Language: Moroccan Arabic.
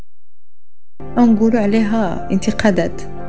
انقل عليها انتقدت